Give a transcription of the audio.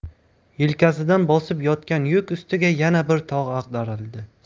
yelkasidan bosib yotgan yuk ustiga yana bir tog' ag'darildi